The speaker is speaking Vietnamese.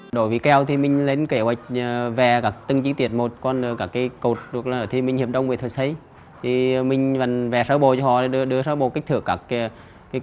đối với kèo thì mình lên kế hoạch ờ vẽ các từng chi tiết một còn các cái cột hoặc là thì mình hợp đồng với thợ xây thì mình vẫn vẽ sợ bộ cho họ đưa đưa sơ bộ kích thước các cái